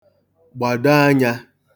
gbàdo anyā